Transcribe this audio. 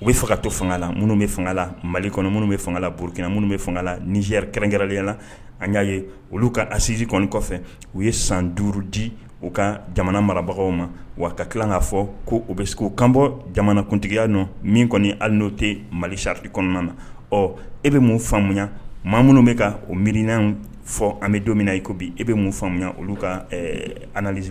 U bɛ faga to fanga la minnu bɛ fanga la mali kɔnɔ minnu bɛ fangala porokina minnu bɛ fanga la nirirɛnkɛrɛnliyala an y'a ye olu ka asisi kɔn kɔfɛ u ye san duuru di u ka jamana marabagaw ma wa ka tila k'a fɔ ko o bɛ se k' kanbɔ jamanakuntigiya nɔ min kɔni hali n'o tɛ mali sari kɔnɔna na ɔ e bɛ mun faamuya maa minnu bɛ ka o miiriina fɔ an bɛ donmina i kobi e bɛ mun faamuyamu olu kaz